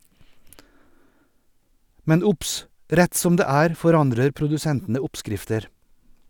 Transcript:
Men obs - rett som det er forandrer produsentene oppskrifter.